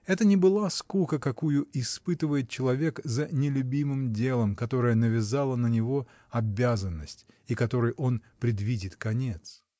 Это не была скука, какую испытывает человек за нелюбимым делом, которое навязала на него обязанность и которой он предвидит конец.